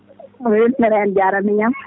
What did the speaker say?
mbe?o weltinora heen Diarra miñ am